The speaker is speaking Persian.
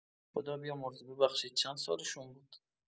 خدا بیامرزه، ببخشید چند سالشون بود؟